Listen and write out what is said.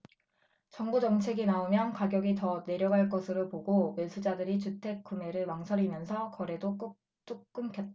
정부 정책이 나오면 가격이 더 내려갈 것으로 보고 매수자들이 주택 구매를 망설이면서 거래도 뚝 끊겼다